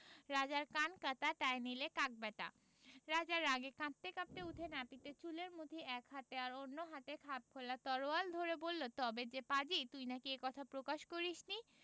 ‘রাজার কান কাটা তাই নিলে কাক ব্যাটা রাজা রাগে কাঁপতে কাঁপতে উঠে নাপিতের চুলের মুঠি এক হাতে আর অন্য হাতে খাপ খোলা তরোয়াল ধরে বললেন– তবে রে পাজি তুই নাকি এ কথা প্রকাশ করিসনি